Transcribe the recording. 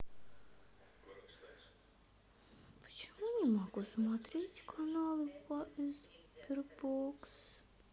почему не могу смотреть каналы по sberbox